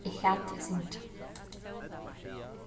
eg hati at syngja